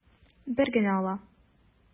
Бер генә ала.